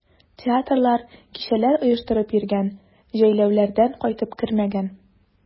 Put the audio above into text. Театрлар, кичәләр оештырып йөргән, җәйләүләрдән кайтып кермәгән.